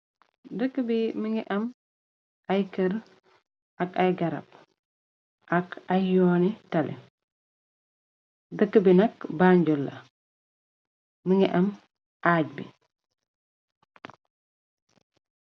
Dëkka bi mugi amm ay kërr ak ay garab ak ay yooni tali dëkka bi nakk banjulla mugi am ajj bi.